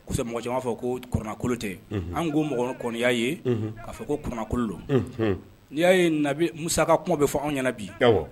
O kosɔn mɔgɔ caaman b'a fɔ ko kurannɛkolo tɛ, ɔnhɔn, anw ko mɔgɔwɛrɛ kɔni y'a ye k'a fɔ ko kuranɛkolo don, unhun, n'i y'a ye nabi Musa ka kuma bɛ fɔ anw ɲɛna bi